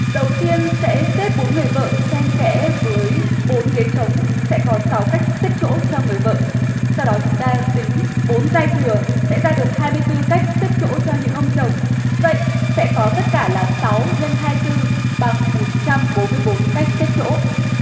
đầu tiên sẽ xếp bốn người vợ xen kẽ với bốn ghế trống sẽ có sáu cách xếp chỗ cho người vợ sau đó chúng ta tính bốn giai thừa sẽ ra được hai tư cách xếp chỗ cho những ông chồng vậy sẽ có tất cả là sáu nhân hai tư bằng một trăm bốn mươi bốn cách xếp chỗ